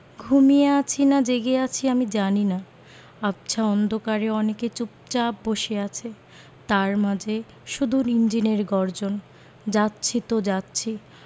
ঘুমিয়ে আছি না জেগে আছি আমি জানি না আবছা অন্ধকারে অনেকে চুপচাপ বসে আছে তার মাঝে শুধু ইঞ্জিনের গর্জন যাচ্ছি তো যাচ্ছি